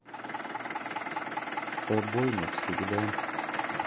с тобой навсегда